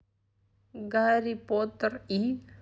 гарри поттер и